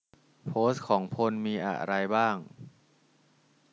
โพสต์ของพลมีอะไรบ้าง